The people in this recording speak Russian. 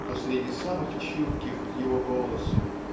то среди самых чутких к Его голосу